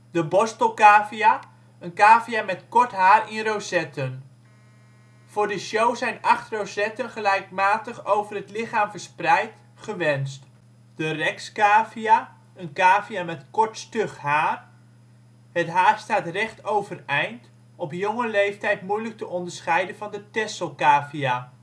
De borstelcavia: een cavia met kort haar in rozetten. Voor de show zijn 8 rozetten, gelijkmatig over het lichaam verspreid, gewenst. De rexcavia: cavia met kort, stug haar. Het haar staat recht overeind. Op jonge leeftijd moeilijk te onderscheiden van de tesselcavia